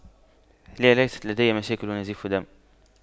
لا ليست لدي مشاكل ونزيف دم